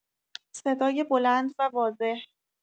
صدای بلند و واضح